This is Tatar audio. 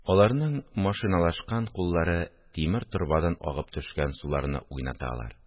Аларның машиналашкан куллары тимер торбадан агып төшкән суларны уйнаталар